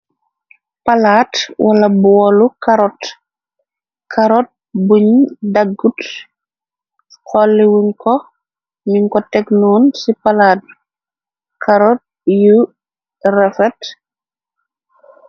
Palaat wala boolu karot, karot buñ daggut, xolliwuñ ko, miñ ko teg noon ci palaat. Karot yu refet.